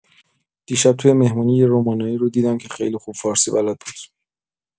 دیشب توی مهمونی یه رومانیایی رو دیدم که خیلی خوب فارسی بلد بود!